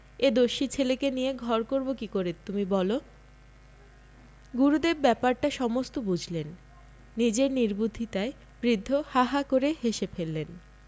এ দস্যি ছেলেকে নিয়ে ঘর করব কি করে তুমি বল গুরুদেব ব্যাপারটা সমস্ত বুঝলেন নিজের নির্বুদ্ধিতায় বৃদ্ধ হাঃ হাঃ করে হেসে ফেললেন